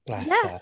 Bless her.